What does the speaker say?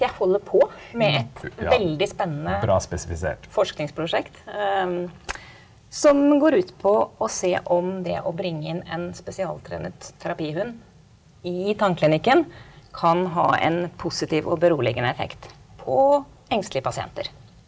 jeg holder på med et veldig spennende forskningsprosjekt som går ut på å se om det å bringe inn en spesialtrenet terapihund i tannklinikken kan ha en positiv og beroligende effekt på engstelige pasienter.